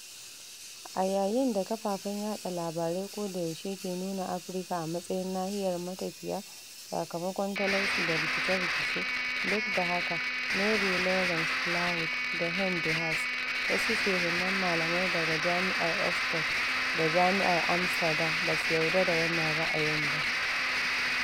A yayin da kafafen yaɗa labarai ko da yaushe ke nuna Afirka a matsayin nahiyar matafiya sakamakon talauci da rikice-rikice, duk da haka, Marie-Laurence Flahauɗ da Hein De Haas, wasu shehunnan malamai daga Jami'ar Oxford da Jami'ar Amsterdam ba su yarda da wannan ra'ayin ba.